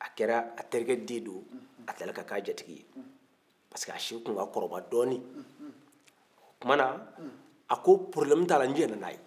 a kɛra a terikɛ den don a tila la ka kɛ a jatigi ye parisike a si tun ka kɔrɔba dɔɔnin o tuma na a ko porobilɛmu t'a la n jiɲɛna n'a ye